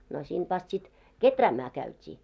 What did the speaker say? no siitä vasta sitten kehräämään käytiin